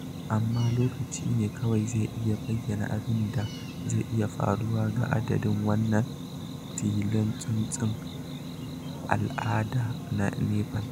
Amma lokaci ne kawai zai iya bayyana abin da zai iya faruwa ga adadin wannan tilon tsuntsun al'ada na Nepal.